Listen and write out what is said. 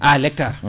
à l' hectare